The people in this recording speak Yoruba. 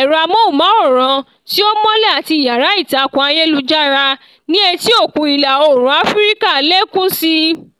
ẹ̀rọ amọ́hùnmáwòrán tí ó mọ́lẹ̀ àti ìyára ìtàkùn ayélujára ní etí òkun ìlà oòrùn Áfíríkà lékún sí i.